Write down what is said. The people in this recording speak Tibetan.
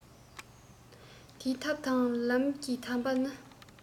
དེའི ཐབས དང ལམ གྱི དམ པ ནི